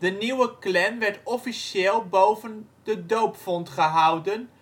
nieuwe Klan werd officieel boven de doopvont gehouden